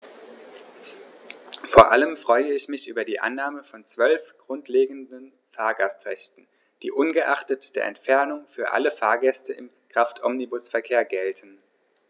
Vor allem freue ich mich über die Annahme von 12 grundlegenden Fahrgastrechten, die ungeachtet der Entfernung für alle Fahrgäste im Kraftomnibusverkehr gelten.